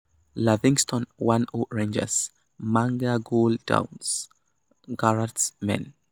Livingston 1 - 0 Rangers: Menga goal downs Gerrard's men